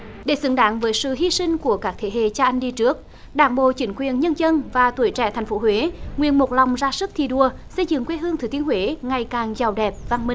để xứng đáng với sự hy sinh của các thế hệ cha anh đi trước đảng bộ chính quyền nhân dân và tuổi trẻ thành phố huế nguyên một lòng ra sức thi đua xây dựng quê hương thừa thiên huế ngày càng giàu đẹp văn minh